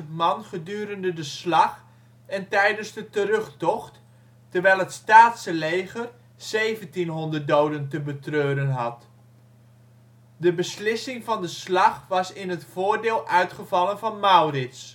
man gedurende de slag en tijdens de terugtocht, terwijl het Staatse leger 1700 doden te betreuren had. De beslissing van de slag was in het voordeel uitgevallen van Maurits